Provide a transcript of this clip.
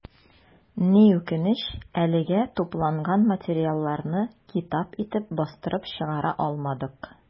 Ни үкенеч, әлегә тупланган материалларны китап итеп бастырып чыгара алмадык.